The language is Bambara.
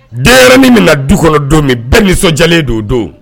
Den min bɛna na du kɔnɔ don min bɛɛ nisɔndiyalen don don